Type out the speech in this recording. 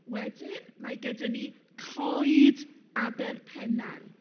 Wedyn, mae gyda ni coed Aberpennar